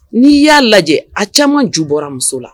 N'i y'a lajɛ a caman ju bɔra muso la